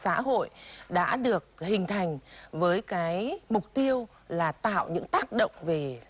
xã hội đã được hình thành với cái mục tiêu là tạo những tác động về